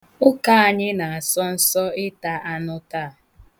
Ụka anyị na-asọ nsọ ịta anụ taa.